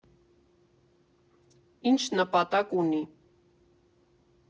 Ինչ նպատակ ունի։